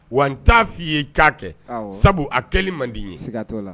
Wa n t'a f'i ye i k'a kɛ awɔɔ sabu a kɛli mandi n ye sigat'o la